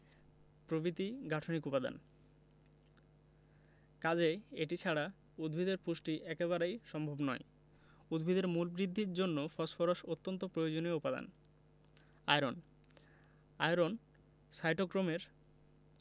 প্রভৃতির গাঠনিক উপাদান কাজেই এটি ছাড়া উদ্ভিদের পুষ্টি একেবারেই সম্ভব নয় উদ্ভিদের মূল বৃদ্ধির জন্য ফসফরাস অত্যন্ত প্রয়োজনীয় উপাদান আয়রন আয়রন সাইটোক্রোমের